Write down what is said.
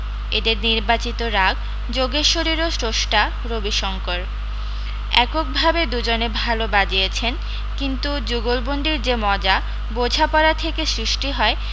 এদের নির্বাচিত রাগ যোগেশ্বরীরও স্রস্টা রবিশংকর একক ভাবে দু জনে ভাল বাজিয়েছেন কিন্তু যুগলবন্দির যে মজা বোঝাপড়া থেকে সৃষ্টি হয়